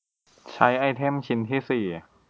ใช้ไอเทมชิ้นที่สี่